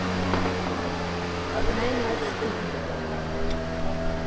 Մեն օֆ Սթիլ։